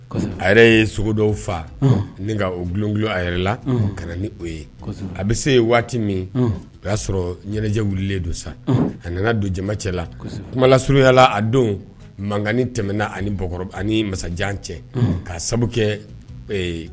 A yɛrɛ ye sogo dɔw fa bulon a yɛrɛ la ka na ni ye a bɛ se waati min o y'a sɔrɔ ɲɛnajɛ wililen don sa a nana don jɛma cɛ la kumala suru yalala a don mankan ni tɛmɛna ani ani masajan cɛ ka sabu kɛ